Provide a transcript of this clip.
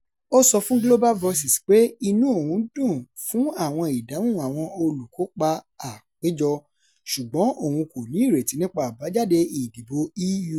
Ó sọ fún Global Voices pé inú òun dùn fún àwọn ìdáhùn àwọn olùkópa àpéjọ, ṣùgbọ́n òun kò ní ìrètí nípa àbájáde ìdìbò EU